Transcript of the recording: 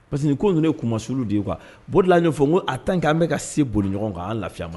Parce que nin ko in ye kumasuru de ye quoi o de la an b'o fɔ en tant que an bɛ ka se boli ɲɔgɔn kan an